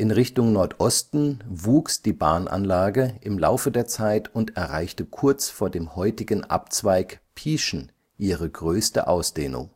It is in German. Richtung Nordosten wuchs die Bahnanlage im Laufe der Zeit und erreichte kurz vor dem heutigen Abzweig Pieschen ihre größte Ausdehnung